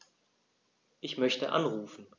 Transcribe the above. Ich möchte anrufen.